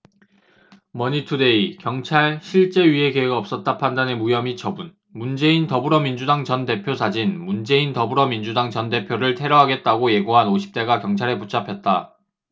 머니투데이 경찰 실제 위해 계획 없었다 판단해 무혐의 처분 문재인 더불어민주당 전 대표 사진 문재인 더불어민주당 전 대표를 테러하겠다고 예고한 오십 대가 경찰에 붙잡혔다